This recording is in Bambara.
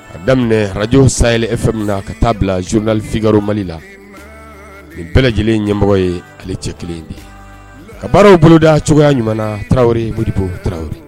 A daminɛ radio Sahel FM na ka taa bila journal figaro Mali la nin bɛɛ lajɛlen ɲɛmɔgɔ ye ale cɛ kelen in de ye, ka baaraw boloda cogoya ɲuman na, Tarawele Molibo Tarawele.